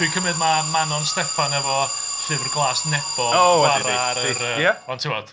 'Dw i'n cymryd mae Manon Steffan efo Llyfr Glas Nebo… O yndi yndi... Chwarae ar yr... Ia... ond ti'bod.